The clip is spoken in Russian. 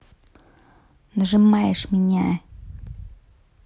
нажимаешь меня